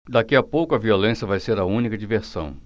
daqui a pouco a violência vai ser a única diversão